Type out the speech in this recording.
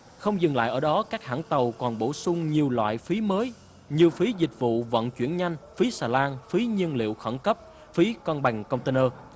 không dừng lại ở đó các hãng tàu còn bổ sung nhiều loại phí mới như phí dịch vụ vận chuyển nhanh phí xà lan phí nhiên liệu khẩn cấp phí cân bằng công te nơ